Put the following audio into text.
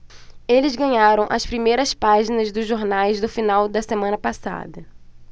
eles ganharam as primeiras páginas dos jornais do final da semana passada